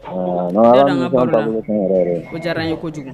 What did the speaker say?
Diyara ka diyara n ye kojugu